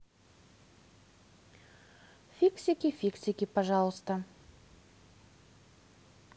фиксики фиксики пожалуйста